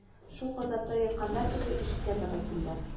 Шул газапта ятканда кемдер ишеккә таба килде